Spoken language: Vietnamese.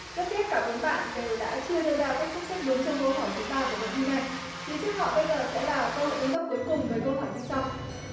rất tiếc cả bốn bạn đều đã chưa đưa ra cách sắp xếp đúng trong câu hỏi thứ ba của phần thi này phía trước họ bây giờ sẽ là cơ hội tăng tốc cuối cùng với câu hỏi như sau